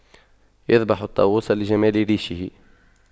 يذبح الطاووس لجمال ريشه